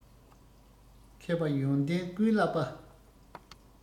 མཁས པ ཡོན ཏན ཀུན བསླབས པ